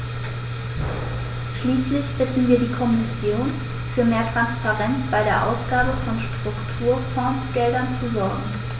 Schließlich bitten wir die Kommission, für mehr Transparenz bei der Ausgabe von Strukturfondsgeldern zu sorgen.